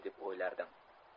deb o'ylardim